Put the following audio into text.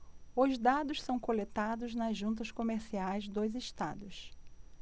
os dados são coletados nas juntas comerciais dos estados